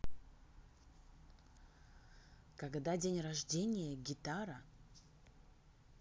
когда день рождения гитара